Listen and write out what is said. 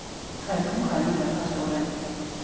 Քայլում, քայլում է փաստորեն։